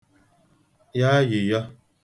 yọ ayị̀yọ